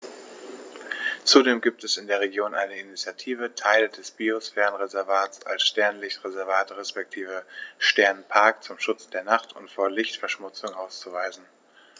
Zudem gibt es in der Region eine Initiative, Teile des Biosphärenreservats als Sternenlicht-Reservat respektive Sternenpark zum Schutz der Nacht und vor Lichtverschmutzung auszuweisen.